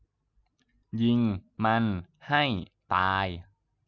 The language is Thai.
ยิงมันให้ตาย